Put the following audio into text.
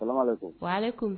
Ala ko ko ale ko